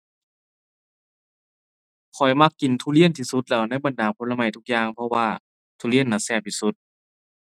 ข้อยมักกินทุเรียนที่สุดแล้วในบรรดาผลไม้ทุกอย่าง เพราะว่าทุเรียนน่ะแซ่บที่สุด